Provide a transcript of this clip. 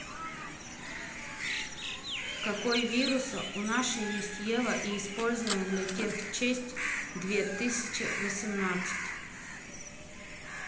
какой вируса у нашей есть ева и использована для тех честь две тысячи восемнадцать